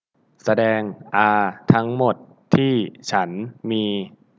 แสดงอาทั้งหมดที่ฉันมี